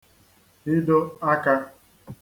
hido akā